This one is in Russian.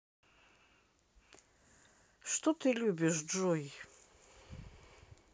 что ты любишь джой